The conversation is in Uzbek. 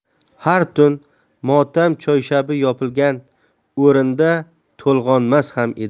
har tun motam choyshabi yopilgan o'rinda to'lg'onmas ham edi